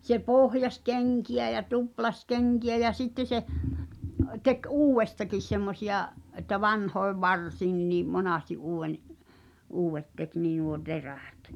se pohjasi kenkiä ja tuplasi kenkiä ja sitten se teki uudestakin semmoisia että vanhojen varsiinkin monesti uuden uudet teki niin nuo terät